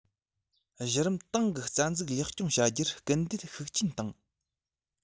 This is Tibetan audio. གཞི རིམ ཏང གི རྩ འཛུགས ལེགས སྐྱོང བྱ རྒྱུར སྐུལ འདེད ཤུགས ཆེན བཏང